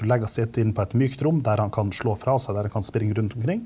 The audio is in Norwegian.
du legger inn på et mykt rom der han kan slå fra seg, der han kan springe rundt omkring.